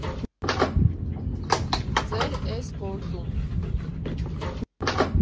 Ձեր էս գործում։